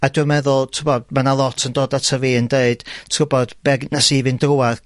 A dwi meddwl t'bod ma' 'na lot yn dod ata fi yn deud ti wbod be' g- nes i fynd drwadd